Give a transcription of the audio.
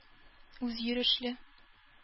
Үзйөрешле